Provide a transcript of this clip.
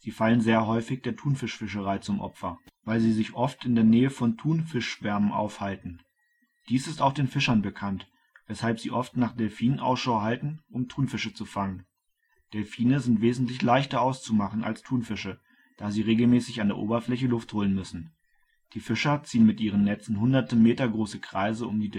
fallen sehr häufig der Thunfischfischerei zum Opfer, weil sie sich oft in der Nähe von Thunfischschwärmen aufhalten. Dies ist auch den Fischern bekannt, weshalb sie oft nach Delfinen Ausschau halten, um Thunfische zu fangen. Delfine sind wesentlich leichter auszumachen als Thunfische, da sie regelmäßig an der Oberfläche Luft holen müssen. Die Fischer ziehen mit ihren Netzen hunderte Meter große Kreise um